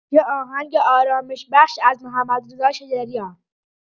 یه آهنگ آرامش‌بخش از محمدرضا شجریان